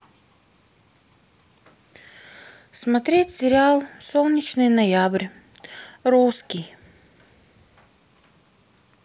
смотреть сериал солнечный ноябрь русский